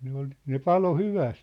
ne oli ne paloi hyvästi